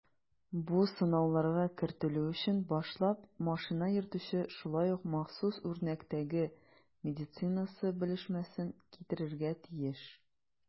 Бу сынауларга кертелү өчен башлап машина йөртүче шулай ук махсус үрнәктәге медицинасы белешмәсен китерергә тиеш.